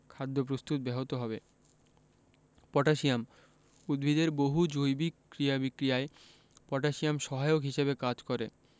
খাদ্য প্রস্তুত ব্যাহত হবে পটাশিয়াম উদ্ভিদের বহু জৈবিক ক্রিয়া বিক্রিয়ায় পটাশিয়াম সহায়ক হিসেবে কাজ করে